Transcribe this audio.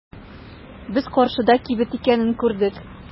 Без каршыда кибет икәнен күрдек.